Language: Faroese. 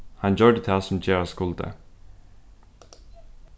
hann gjørdi tað sum gerast skuldi